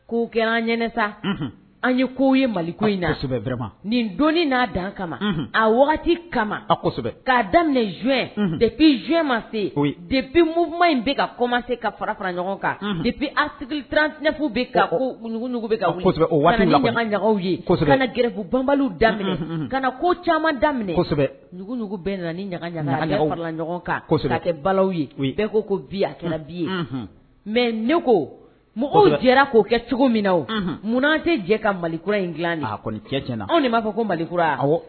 Ko kɛra an an ye ko ye mali nin don n'a dan kama a kama a daminɛu de ma de in komase ka fara ɲɔgɔn kan deranfo bɛugu gɛrɛbu banba daminɛ ka na ko caman daminɛugu bɛ ɲaga kan o bɛɛ ko ko bi a kɛra bi ye mɛ ne ko mɔgɔw jɛra k'o kɛ cogo min na munna tɛ jɛ ka mali kura in dila kɔni cɛ anw b'a fɔ ko malikura